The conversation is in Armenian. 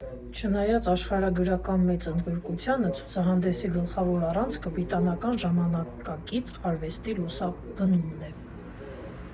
Չնայած աշխարհագրական մեծ ընդգրկունությանը, ցուցահանդեսի գլխավոր առանցքը բրիտանական ժամանակակից արվեստի լուսաբանումն է։